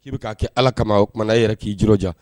K'i bɛ k ka kɛ ala kama o mana n'a yɛrɛ k'i jijan